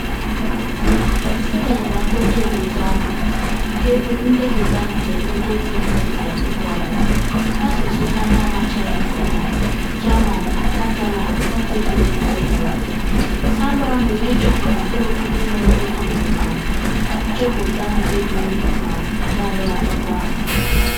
Site n'enyemaka otu ederede ahụ (nke bụ ndepụta nke Little Prince zutere nkịta ọhịa) n’asụsụ ha na-amachaghị nke ọma (German, Catalan, Portuguese, wdg) ha gbara mbọ ịchọpụta mkpụrụokwu ndị nwere otu mpụtara, chepụta ndebiri, ma degharịa akụkọ ahụ.